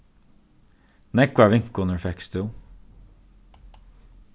nógvar vinkonur fekst tú